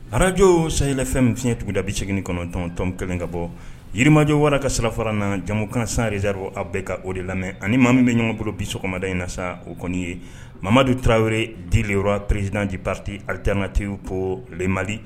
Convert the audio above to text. Ararajo saylafɛn min fiɲɛyɛnugudabi8 kɔnɔntɔntɔn kelen ka bɔ yirimajɔ wara ka sirafara na jamumukansan zriraw aw bɛɛ ka o de lamɛn ani maami bɛ ɲɔgɔnbolo bismada in na sa o kɔni ye mamadu taraweleo diyɔrɔ presdinadi pariti areter ka teriy ko ma